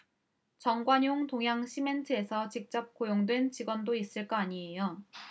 정관용 동양시멘트에서 직접 고용된 직원도 있을 거 아니에요